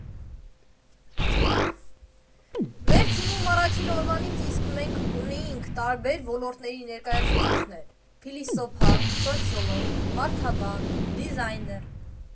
Մեր թիմում առաջին օրվանից իսկ մենք ունեինք տարբեր ոլորտների ներկայացուցիչներ՝ փիլիսոփա, սոցիոլոգ, մարդաբան, դիզայներ։